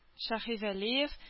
Шаһивәлиев